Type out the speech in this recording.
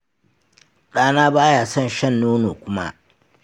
ɗana ba ya son shan nono kuma.